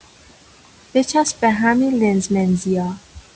بچسب به همین لنز منزیا